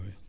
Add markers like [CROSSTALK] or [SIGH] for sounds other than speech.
[HESITATION]